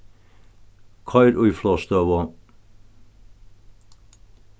koyr í flogstøðu